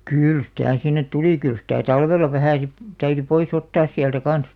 kyllä sitä sinne tuli kyllä sitä talvella vähän - täytyi pois ottaa sieltä kanssa